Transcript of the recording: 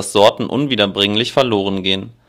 Sorten unwiederbringlich verloren gehen